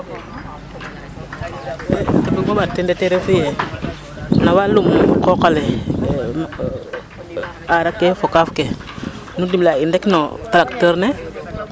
Ke buguma ɓaat teen ten refu yee no walum qooq ale e% aar ake fo kaaf ke nu ndimle'aa in rek no tracteur ne.